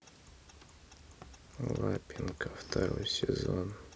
лапенко второй сезон